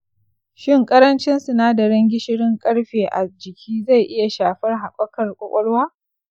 shin ƙarancin sinadarin gishirin ƙarfe a jiki zai iya shafar haɓakar ƙwaƙwalwa?